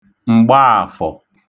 M̀gbaàfọ̀